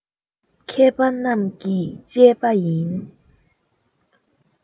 མཁས པ རྣམས ཀྱིས དཔྱད པ ཡི